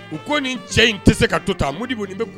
U ko nin cɛ in tɛ se ka to taa mu nin bɛ